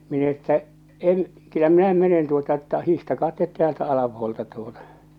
minä että en kyllä minä mene tuota että hiihtäkää te täältä alapuolelta tuota